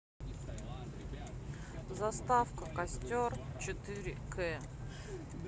заставка костер четыре к